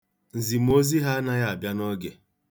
Nzimozi ha anaghị abịa n'oge.